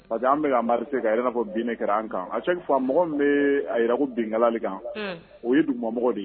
Parce que an bɛka anri se k a ye na fɔ bininɛ kɛ an kan a se faamamɔgɔ bɛ a jira ko binkali kan o ye dugumɔgɔ de ye